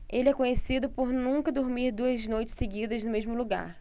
ele é conhecido por nunca dormir duas noites seguidas no mesmo lugar